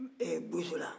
ɛ bozola